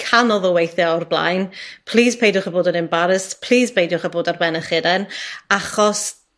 canodd o weithie o'r blaen. Plîs peidiwch â bod yn embarrassed. Plîs beidiwch â bod ar ben 'ych hunen, achos